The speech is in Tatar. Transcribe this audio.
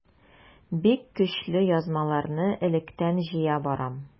Бик көчле язмаларны электән җыя барам.